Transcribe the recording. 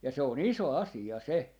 ja se on iso asia se